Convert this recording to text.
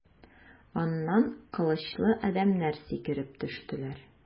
Аннан кылычлы адәмнәр сикереп төштеләр.